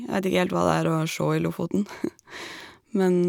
Jeg vet ikke helt hva det er å sjå i Lofoten, men...